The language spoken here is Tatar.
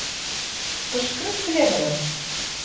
Кычкырып көлә берәү.